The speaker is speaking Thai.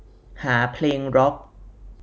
หาเพลงร็อค